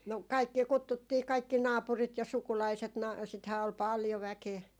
no kaikkia kutsuttiin kaikki naapurit ja sukulaiset - sitähän oli paljon väkeä